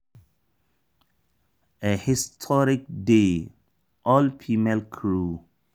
A HISTORIC DAY – All-female crew